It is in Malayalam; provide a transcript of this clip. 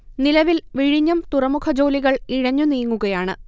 നിലവിൽ വിഴിഞ്ഞം തുറമുഖ ജോലികൾ ഇഴഞ്ഞു നീങ്ങുകയാണ്